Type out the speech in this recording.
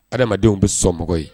Adamadenw bɛ sɔn mɔgɔ ye